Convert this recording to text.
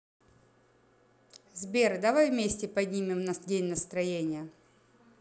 сбер давай вместе поднимем на день настроения